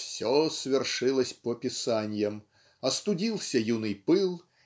все свершилось по писаньям остудился юный пыл